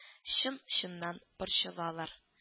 Чын-чыннан борчылалар